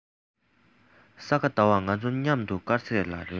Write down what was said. ས ག ཟླ བར ང ཚོ མཉམ དུ དཀར ཟས ལ རོལ